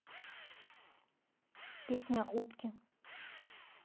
песня утки